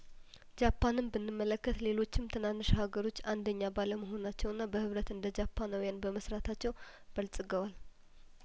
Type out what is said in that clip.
ጃፓንን ብን መለከት ሌሎችም ትናንሽ ሀገሮች አንደኛ ባለመሆ ናቸውና በህብረት እንደጃፓናውያን በመስራታቸው በልጽገዋል